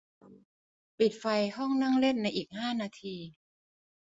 ปิดไฟห้องนั่งเล่นในอีกห้านาที